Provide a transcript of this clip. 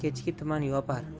kechki tuman yopar